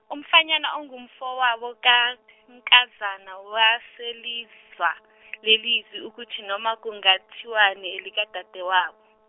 umfanyana ongumfowabo kaNkazana waselizwa, lelizwi ukuthi noma kungathiwani elikadadewabo.